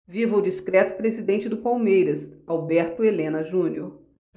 viva o discreto presidente do palmeiras alberto helena junior